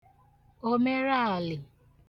òmereàlị̀